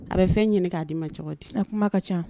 A bɛ fɛn ɲini k'a di ma cogo di? A kuma ka caa.